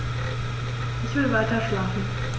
Ich will weiterschlafen.